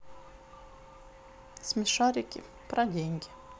смешарики про деньги